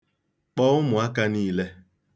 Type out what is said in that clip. Kpọọ ụmụaka niile.